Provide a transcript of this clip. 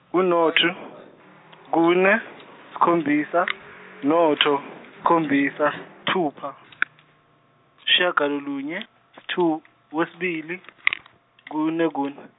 u- naught kune isikhombisa naught isikhombisa isithupha isishagalolunye isith- okwesibilii kune kune.